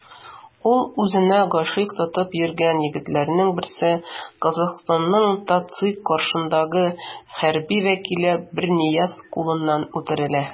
Ул үзенә гашыйк тотып йөргән егетләрнең берсе - Казахстанның ТатЦИК каршындагы хәрби вәкиле Бернияз кулыннан үтерелә.